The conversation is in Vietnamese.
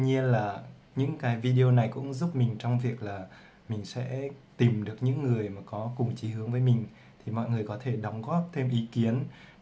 những video này sẽ giúp mình tìm được những người cùng chí hướng để mọi người có thể đóng góp thêm ý kiến